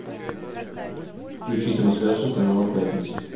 включи трансляцию канала пятница